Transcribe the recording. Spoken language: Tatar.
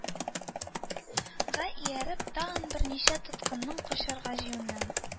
Га ияреп тагын берничә тоткынның качарга җыенуын